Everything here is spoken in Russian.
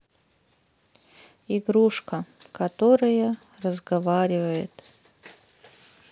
игрушка которая разговаривает